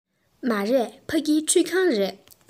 མ རེད ཕ གི ཁྲུད ཁང རེད